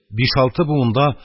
Биш-алты буында